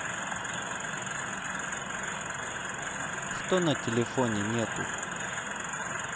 что на телефоне нету